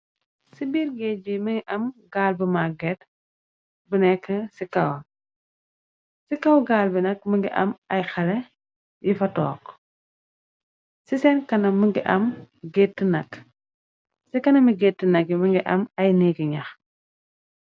Ci biir géej yi mingi am galbu magtet bu nk ci kaw ci kaw gaal bi nak më ngi am ay xale yu fa took ci seen kanam mi gëtt nag yi mëngi am ay nekki ñyax.